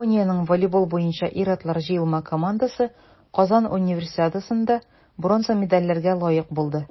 Япониянең волейбол буенча ир-атлар җыелма командасы Казан Универсиадасында бронза медальләргә лаек булды.